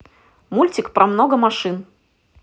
мультик про много машин